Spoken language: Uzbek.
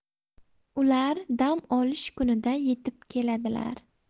ular dam olish kunida yetib keladilar